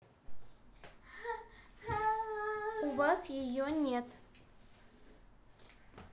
у вас ее нет